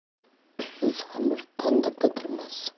tuzsiz xamir tandirda turmas